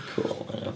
Cŵl o enw.